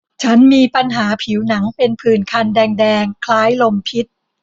ฉันมีปัญหาผิวหนังเป็นผื่นคันแดงแดงคล้ายลมพิษ